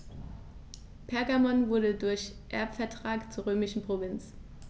Pergamon wurde durch Erbvertrag zur römischen Provinz.